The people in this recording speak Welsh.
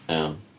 Iawn.